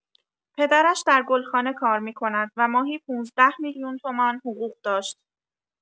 پدرش در گلخانه کار می‌کند و ماهی ۱۵ میلیون تومان حقوق داشت.